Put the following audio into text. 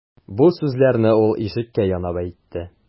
Бу сүзләрне ул ишеккә янап әйтте.